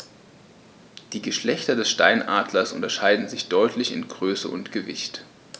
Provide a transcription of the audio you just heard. Die Geschlechter des Steinadlers unterscheiden sich deutlich in Größe und Gewicht.